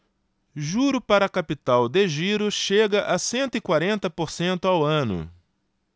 juro para capital de giro chega a cento e quarenta por cento ao ano